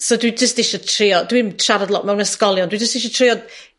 so dwi jyst isio trio. Dwi'n siarad lot mewn ysgolion. Dwi dyst isio trio